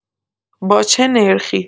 با چه نرخی؟